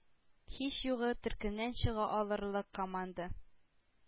Һич югы, төркемнән чыга алырлык команда